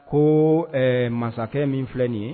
Ko ɛ masakɛ min filɛ nin ye